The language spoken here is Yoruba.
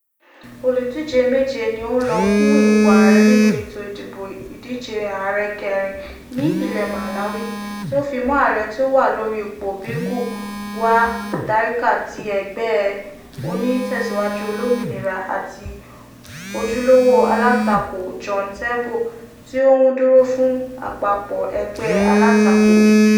Olùdíje méje ni ó ń lọ fún ipò ààrẹ nínú ètò ìdìbò ìdíje ààrẹ kẹrin ní ilẹ̀ Malawi, tí ó fi mọ́ ààrẹ tí ó wà lórí ipò Bingu wa Mutharika ti ẹgbẹ́ onítẹ̀síwájú Olómìnira àti ojúlówó alátakò John Tembo, tí ó ń dúró fún àpapọ̀ ẹgbẹ́ alátakò.